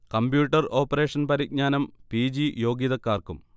Computer operation പരിജ്ഞാനം P. G യോഗ്യതക്കാർക്കും